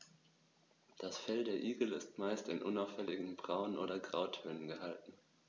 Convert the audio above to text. Das Fell der Igel ist meist in unauffälligen Braun- oder Grautönen gehalten.